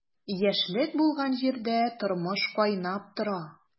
Яшьлек булган җирдә тормыш кайнап тора.